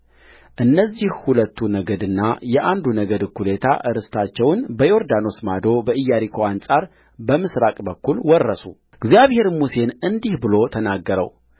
እነዚህ ሁለቱ ነገድና የአንዱ ነገድ እኩሌታ ርስታቸውን በዮርዳኖስ ማዶ በኢያሪኮ አንጻር በምሥራቅ በኩል ወረሱእግዚአብሔርም ሙሴን እንዲህ ብሎ ተናገረው